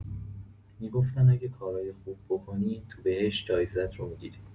می‌گفتن اگه کارای خوب بکنی، تو بهشت جایزه‌ت رو می‌گیری.